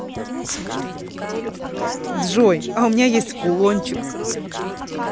джой а у меня есть кулончик